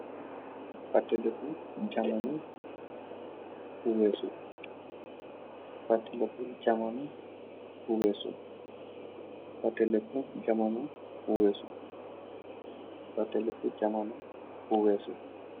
Fateh lèku jamano bu wèsu.